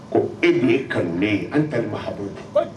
Ko e dun ye kanunen ye